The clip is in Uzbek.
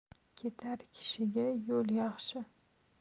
ketar kishiga yo'l yaxshi